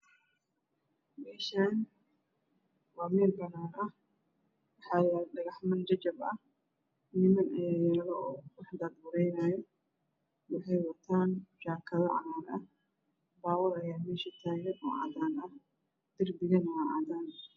Meeshaan waa meel banaan ah waxaa yaalo dhagaxman jajab ah ciidan ayaa yaalo wax daad guraynaayo waxay wataan jaakado cagaar baabur ayey wataan meesha taagan darbiga waa cadaan